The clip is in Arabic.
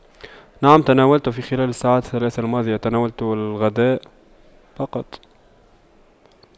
نعم تناولت في خلال الساعات الثلاثة الماضية تناولت الغداء فقط